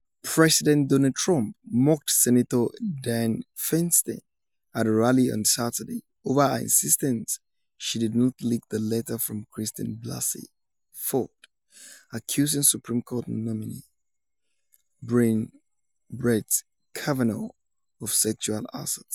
President Donald Trump mocked Senator Dianne Feinstein at a rally on Saturday over her insistence she did not leak the letter from Christine Blasey Ford accusing Supreme Court nominee Brett Kavanaugh of sexual assault.